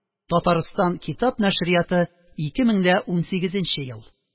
Татарстан китап нәшрияты, 2018нче ел